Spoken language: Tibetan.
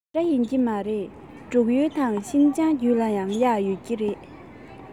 དེ འདྲ ཡིན གྱི མ རེད འབྲུག ཡུལ དང ཤིན ཅང རྒྱུད ལ ཡང གཡག ཡོད རེད